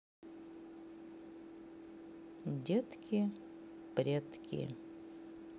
детки предки